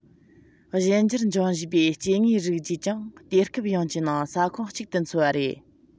གཞན འགྱུར འབྱུང བཞིན པའི སྐྱེ དངོས རིགས ཅིས ཀྱང དུས སྐབས ཡོངས ཀྱི ནང ས ཁོངས གཅིག ཏུ འཚོ བ རེད